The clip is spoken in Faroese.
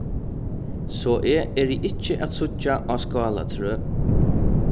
so eg eri ikki at síggja á skálatrøð